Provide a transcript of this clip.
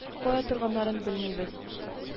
Кая торганнарын белмибез